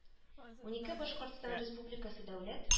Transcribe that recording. Ун ике башкортстан республикасы дәүләт